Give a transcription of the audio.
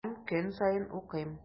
Һәм көн саен укыйм.